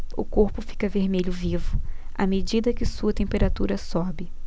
o corpo fica vermelho vivo à medida que sua temperatura sobe